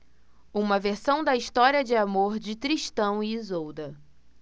uma versão da história de amor de tristão e isolda